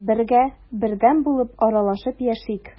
Бергә, бердәм булып аралашып яшик.